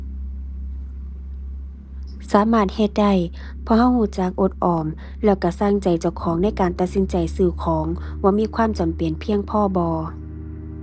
สามารถเฮ็ดได้ เพราะเราเราจักอดออม แล้วเราเราใจเจ้าของในการตัดสินใจซื้อของว่ามีความจำเป็นเพียงพอบ่